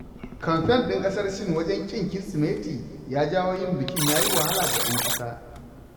Kamfen ɗin ƙasar Sin wajen ƙin Kirsimeti ya jawo yin bikin ya yi wahala ga 'yan ƙasa